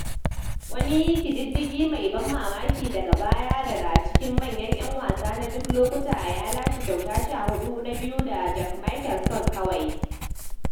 Wani kididdiga mai ban mamaki daga daya daga cikin manyan 'yan wasa na duk lokuta, ya lashe kyauta 14 na biyu da Jack Nicklaus kawai.